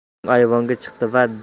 so'ng ayvonga chiqdi da